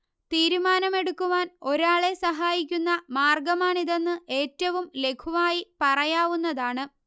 തീരുമാനമെടുക്കുവാൻ ഒരാളെ സഹായിക്കുന്ന മാർഗ്ഗമാണിതെന്ന് ഏറ്റവും ലഘുവായി പറയാവുന്നതാണ്